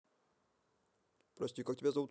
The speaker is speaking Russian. прости как тебя зовут